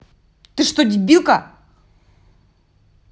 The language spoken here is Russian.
ты что дебилка